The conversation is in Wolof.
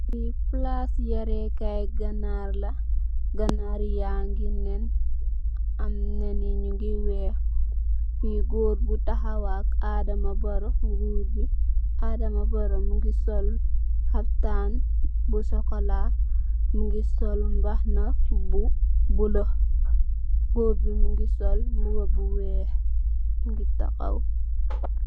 Li palac yareh kai ganar la ganar yagi nen am nen yi nyugi weex fi goor bu taxawax Adama Barrow ngurr bi Adama Barrow mogi sol haftan bu chocola magi sol mbahana bu bulo gorr bi mogi sol mbuba bu weex mogi taxaw.